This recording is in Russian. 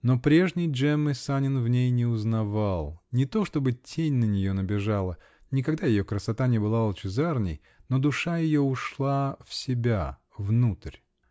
но прежней Джеммы Санин в ней не узнавал: не то, чтобы тень на нее набежала -- никогда ее красота не была лучезарней, -- но душа ее ушла в себя, внутрь.